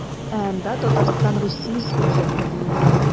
Ә анда Татарстан Русия субъекты диелгән.